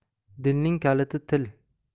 dilning kaliti til